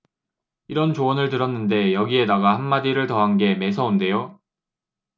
이런 조언을 들었는데 여기에다가 한마디를 더 한 게 매서운데요